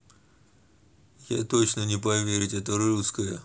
я точно не поверить это русская